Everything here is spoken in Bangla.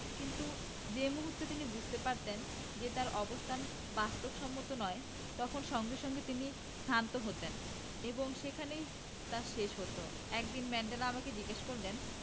কিন্তু যে মুহূর্তে তিনি বুঝতে পারতেন যে তাঁর অবস্থান বাস্তবসম্মত নয় তখন সঙ্গে সঙ্গে তিনি ক্ষান্ত দিতেন এবং সেখানেই তা শেষ হতো একদিন ম্যান্ডেলা আমাকে জিজ্ঞেস করলেন